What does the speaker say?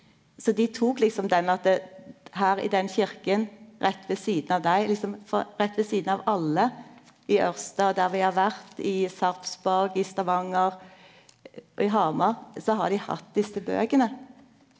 så dei tok liksom den at her i den kyrkja rett ved sida av deg liksom for rett ved sida av alle i Ørsta der vi har vore i Sarpsborg i Stavanger og i Hamar så har dei hatt desse bøkene.